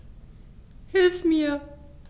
Hilf mir!